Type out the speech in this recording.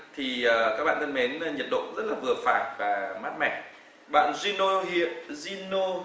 thì các bạn thân mến nhiệt độ rất là vừa phải và mát mẻ bạn din nô hiện din nô